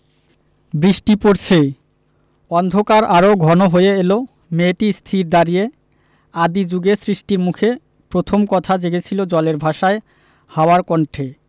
বৃষ্টি পরছে অন্ধকার আরো ঘন হয়ে এল মেয়েটি স্থির দাঁড়িয়ে আদি জুগে সৃষ্টির মুখে প্রথম কথা জেগেছিল জলের ভাষায় হাওয়ার কণ্ঠে